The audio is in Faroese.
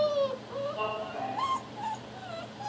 stokkar